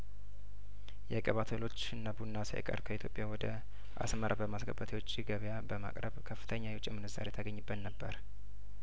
የቅባት እህሎችንና ቡና ሳይቀር ከኢትዮጵያ ወደ አስመራ በማስገባት የውጪ ገበያ በማቅረብ ከፍተኛ የውጪ ምንዛሬ ታገኝበት ነበር